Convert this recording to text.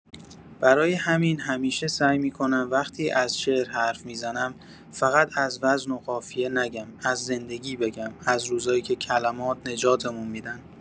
برای همین همیشه سعی می‌کنم وقتی از شعر حرف می‌زنم، فقط از وزن و قافیه نگم، از زندگی بگم، از روزایی که کلمات نجاتمون می‌دن.